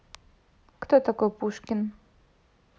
кто такой пушкин